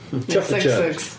Chuppa Chups.